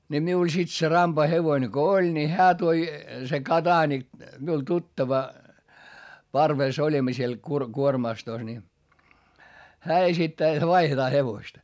niin minulla sitten se rampa hevonen kun oli niin hän toi se Kodanik minulle tuttava parvessa olimme siellä - kuormastossa niin hän esittää jotta vaihdetaan hevosta